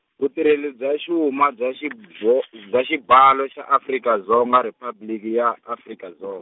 Vutirheli bya Xuma bya Xibo- bya Xibalo xa Afrika Dzonga Riphabliki ya Afrika Dzo-.